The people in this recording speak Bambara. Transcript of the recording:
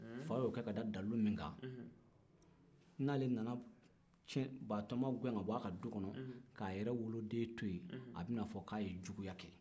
fa y'o kɛ k'a da dalilu min kan n'ale nana batoma gɛn ka b'a ka du kɔnɔ k'a yɛrɛ woloden to yen a bɛna fɔ k'a ye juguya kɛ